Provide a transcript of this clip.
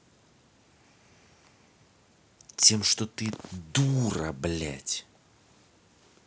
тем что ты дура блять